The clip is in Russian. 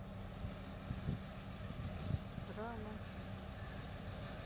рано